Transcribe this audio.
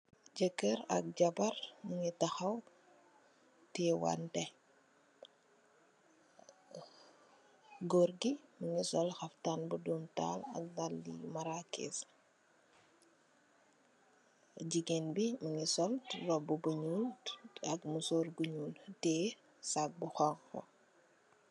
Jèker ak jabarr ñu ngi taxaw teyeh wante. Gór ngi mugii sol xaptan bu doom tahal ak dalli marakis, jigeen bi mugii sol róbbu bu ñuul ak mesor bu ñuul, tey sag bu xonxu.